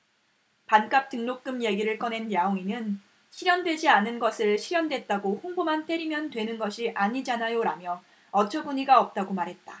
반값등록금 얘기를 꺼낸 냐옹이는 실현되지 않은 것을 실현됐다고 홍보만 때리면 되는 것이 아니잖아요라며 어처구니가 없다고 말했다